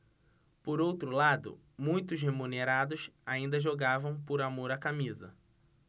por outro lado muitos remunerados ainda jogavam por amor à camisa